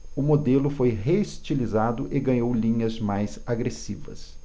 o modelo foi reestilizado e ganhou linhas mais agressivas